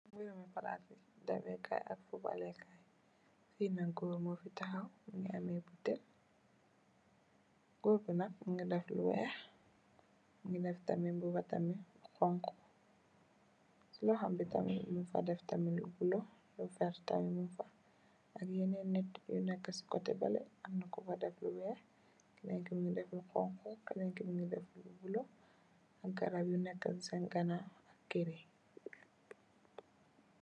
Meremu plase dawekaye ak fuubalekaye fee nak goor muge tahaw muge ameh botel goor be nak muge def lu weex muge def tamin muba tamin bu xonxo se lohom be tamin mugfa def tamin lu bulo lu verta mugfa ak yenen neete yu neka se koteh bale amna kufa def lu weex kenen ke muge def lu xonxo kenen ke muge def lu bulo ak garab yu neka sen ganaw ak kerr ye.